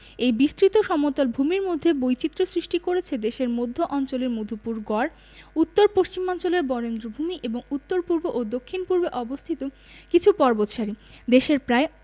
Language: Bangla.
এই বিস্তৃত সমতল ভূমির মধ্যে বৈচিত্র্য সৃষ্টি করেছে দেশের মধ্য অঞ্চলের মধুপুর গড় উত্তর পশ্চিমাঞ্চলের বরেন্দ্রভূমি এবং উত্তর পূর্ব ও দক্ষিণ পূর্বে অবস্থিত কিছু পর্বতসারি দেশের প্রায়